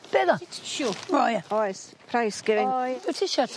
Be' o'dd o? Ti tissue. O ia. Oes. Prize giving. Oi-... Be' tisio...